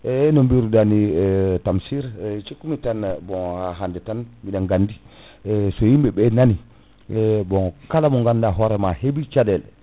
eyyi no biruɗani e Tamsir e cikkumi tan bon ha hande tan biɗen gandi so yimɓeɓe nani bon kala mo ganda hoorema heeɓi caɗele